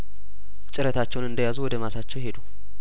ጭረታቸውን እንደያዙ ወደ ማሳቸው ሄዱ